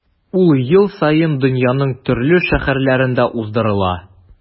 Ул ел саен дөньяның төрле шәһәрләрендә уздырыла.